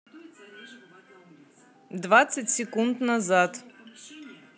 двадцать секунд назад